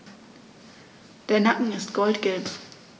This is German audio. Der Nacken ist goldgelb.